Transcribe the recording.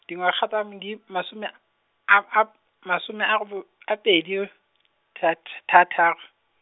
dingwaga tsa me di masome a b- a b-, masome a rob- a pedi, that- thataro.